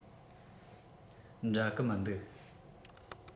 འདྲ གི མི འདུག